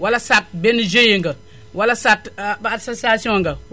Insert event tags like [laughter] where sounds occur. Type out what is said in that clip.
wala soit benn GIE nga wala soit [hesitation] association nga